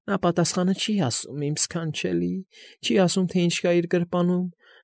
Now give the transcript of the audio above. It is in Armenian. Նա պատասխանը չի աս֊ս֊սում, իմ ս֊ս֊սքանչելի… Չի աս֊ս֊սում, թե ինչ կա իր գրպանում։